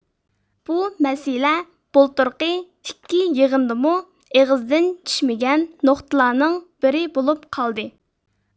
بۇ مەسىلە بۇلتۇرقى ئىككى يىغىندىمۇ ئېغىزدىن چۈشمىگەن نۇقتىلارنىڭ بىرى بولۇپ قالدى